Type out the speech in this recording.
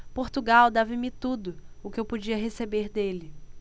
portugal dava-me tudo o que eu podia receber dele